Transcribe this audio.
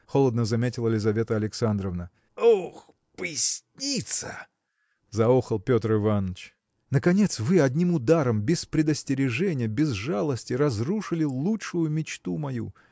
– холодно заметила Лизавета Александровна. – Ох, поясница! – заохал Петр Иваныч. – Наконец вы одним ударом без предостережения без жалости разрушили лучшую мечту мою